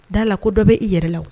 D'a la ko dɔ bɛ i yɛrɛ la